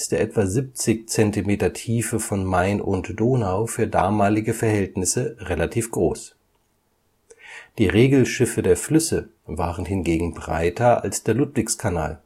etwa 70 Zentimeter Tiefe von Main und Donau für damalige Verhältnisse relativ groß. Die Regelschiffe der Flüsse waren hingegen breiter als der Ludwigskanal